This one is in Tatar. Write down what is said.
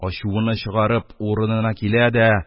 Ачуыны чыгарып, урынына килә дә